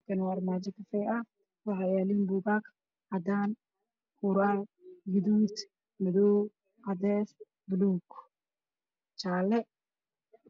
Halkan waa armajo kafey ah waxa yalo bugag cadan ural gadud madow cades baluug jale